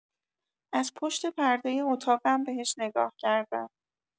از پشت پردۀ اتاقم بهش نگاه کردم.